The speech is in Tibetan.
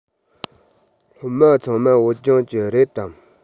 སློབ མ ཚང མ བོད ལྗོངས ཀྱི རེད དམ